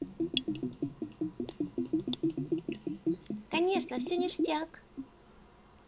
конечно все ништяк